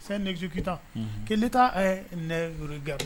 San nɛgɛsiwkiyita ki